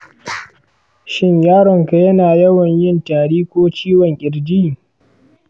shin yaronka yana yawan yin tari ko ciwon ƙirji?